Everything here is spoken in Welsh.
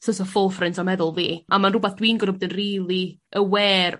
so't of forefront o meddwl fi. A ma'n rwbath dwi'n gor'o' bo' rili aware